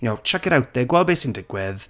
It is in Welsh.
You know, chuck it out there, gweld be sy'n digwydd.